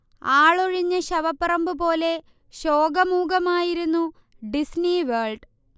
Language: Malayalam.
ആളൊഴിഞ്ഞ ശവപ്പറമ്പ് പോലെ ശോകമൂകമായിരുന്നു ഡിസ്നി വേൾഡ്